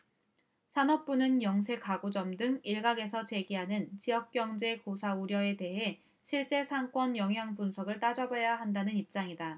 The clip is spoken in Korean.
산업부는 영세 가구점 등 일각에서 제기하는 지역경제 고사 우려에 대해 실제 상권 영향분석을 따져봐야 한다는 입장이다